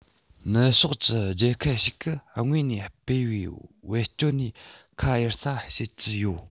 ནུབ ཕྱོགས ཀྱི རྒྱལ ཁབ ཞིག གི ངོས ནས སྤེལ བའི བེད སྤྱད ནས ཁ གཡར ས བྱེད ཀྱི ཡོད